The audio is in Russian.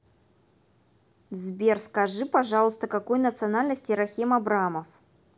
сбер скажи пожалуйста какой национальности рахим абрамов